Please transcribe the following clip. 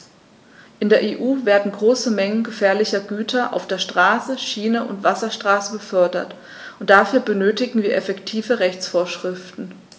In der EU werden große Mengen gefährlicher Güter auf der Straße, Schiene und Wasserstraße befördert, und dafür benötigen wir effektive Rechtsvorschriften.